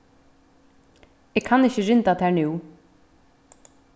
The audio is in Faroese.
eg kann ikki rinda tær nú